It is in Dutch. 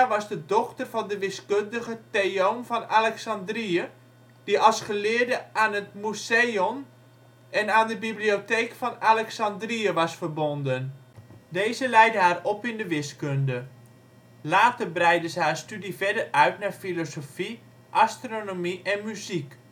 was de dochter van de wiskundige Theoon van Alexandrië die als geleerde aan het Mouseion en aan de Bibliotheek van Alexandrië was verbonden. Deze leidde haar op in de wiskunde. Later breidde ze haar studie verder uit naar filosofie, astronomie en muziek